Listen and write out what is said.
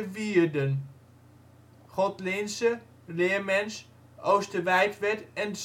Wierden (Godlinze, Leermens, Oosterwijtwerd en